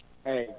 eeyi